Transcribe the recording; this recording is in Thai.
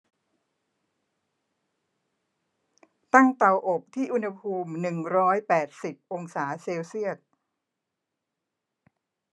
ตั้งเตาอบที่อุณหภูมิหนึ่งร้อยแปดสิบองศาเซลเซียส